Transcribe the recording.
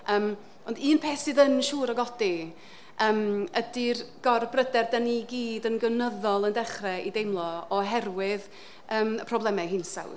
yym ond un peth sydd yn siŵr o godi yym ydi'r gorbryder dan ni i gyd yn gynyddol yn dechrau ei ddeimlo oherwydd yym problemau hinsawdd.